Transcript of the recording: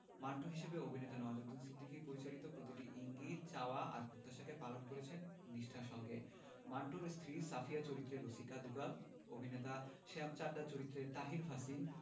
মান্টো হিসেবে অভিনেতা নওয়াজুদ্দিন সিদ্দিকী পরিচালকের প্রতিটি ইঙ্গিত চাওয়া আর প্রত্যাশাকে পালন করেছেন নিষ্ঠার সঙ্গে মান্টোর স্ত্রী সাফিয়া চরিত্রে রসিকা দুগাল অভিনেতা শ্যাম চাড্ডার চরিত্রে তাহির ভাসিন